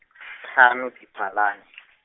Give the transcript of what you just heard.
tlhano Diphalane .